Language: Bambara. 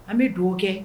An bɛ don kɛ